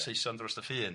Saeson dros y ffin.